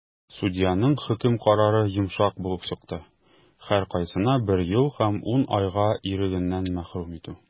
Судьяның хөкем карары йомшак булып чыкты - һәркайсына бер ел һәм 10 айга ирегеннән мәхрүм итү.